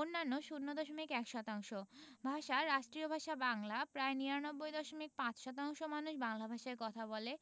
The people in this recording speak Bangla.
অন্যান্য ০দশমিক ১ শতাংশ ভাষাঃ রাষ্ট্রীয় ভাষা বাংলা প্রায় ৯৯দশমিক ৫শতাংশ মানুষ বাংলা ভাষায় কথা বলে